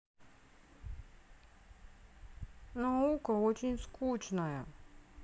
наука очень скучная